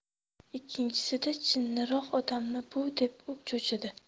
ikkinchisida jinniroq odammi bu deb cho'chidi